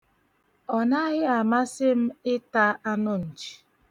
Ọnaghị amasị m ịta anụ nchi.